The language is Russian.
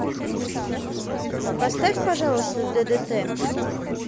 поставь пожалуйста ддт